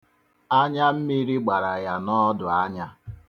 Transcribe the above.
Anya mmiri gbara ya n'ọdụanya.